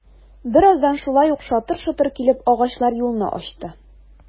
Бераздан шулай ук шатыр-шотыр килеп, агачлар юлны ачты...